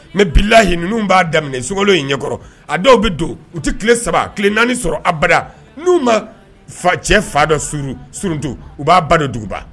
Mɛ bilayi ninnu b'a daminɛ so in ɲɛkɔrɔ a dɔw bɛ don u tɛ tile saba tile naani sɔrɔ abada n' ma fa cɛ fa dɔ s stu u b'a ba don duguba